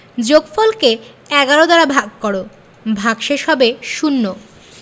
যোগফল কে ১১ দ্বারা ভাগ কর ভাগশেষ হবে শূন্য